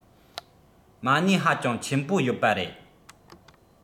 མ གནས ཧ ཅང ཆེན པོ ཡོད པ རེད